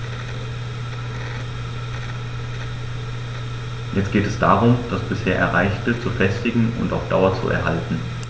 Jetzt geht es darum, das bisher Erreichte zu festigen und auf Dauer zu erhalten.